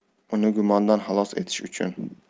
uni gumondan xalos etish uchun